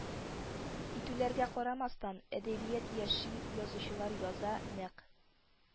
Итүләргә» карамастан, әдәбият яши, язучылар яза, нәкъ